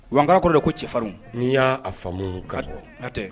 Wkakoro de ko cɛfarin n'i y'a faamumu katɛ